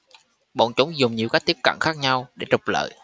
bọn chúng dùng nhiều cách tiếp cận khác nhau để trục lợi